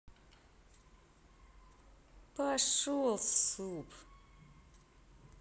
пошел суп